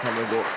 kan dere gå.